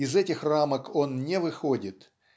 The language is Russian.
Из этих рамок он не выходит